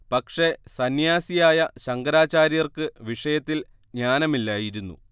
പക്ഷേ സന്ന്യാസിയായ ശങ്കരാചാര്യർക്ക് വിഷയത്തിൽ ജ്ഞാനമില്ലായിരുന്നു